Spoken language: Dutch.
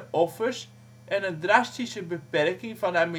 offers en een drastische beperking van haar